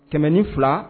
Tɛmɛnni fila